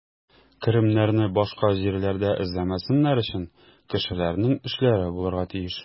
Керемнәрне башка җирләрдә эзләмәсеннәр өчен, кешеләрнең эшләре булырга тиеш.